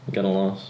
Yn ganol nos.